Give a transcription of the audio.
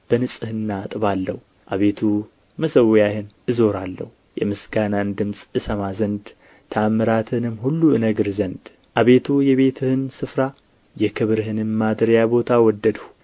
በንጽሕና አጥባለሁ አቤቱ መሠዊያህን እዞራለሁ የምስጋናን ድምፅ እሰማ ዘንድ ተአምራትህንም ሁሉ እነግር ዘንድ አቤቱ የቤትህን ስፍራ የክብርህንም ማደሪያ ቦታ ወደድሁ